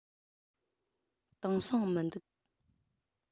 དེང སང མི འདུག